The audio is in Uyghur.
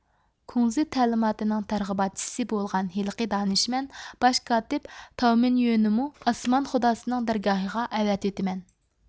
كۇڭزى تەلىماتىنىڭ تەرغىباتچىسى بولغان ھېلىقى دانىشمەن باش كاتىپ تاۋمىنيۆنمۇ ئاسمان خۇداسىنىڭ دەرگاھىغا ئەۋەتىۋېتىمەن